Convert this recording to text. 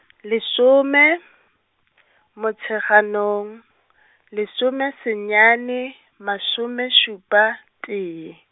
lesome, Motsheganong, lesomesenyane, masomešupa, tee.